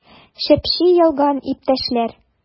Чеп-чи ялган, иптәшләр!